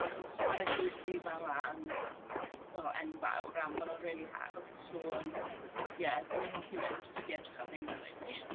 Achos mae'r eglwysi fama yn, wel, enfawr. A maen nhw'n rili hardd, so yym, ie, dan ni'n hoffi mynd jyst i edrych ar rheina rili.